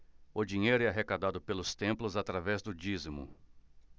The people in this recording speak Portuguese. o dinheiro é arrecadado pelos templos através do dízimo